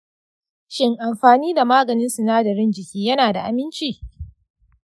shin amfani da maganin sinadaran jiki yana da aminci?